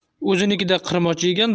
o'zinikida qirmoch yegan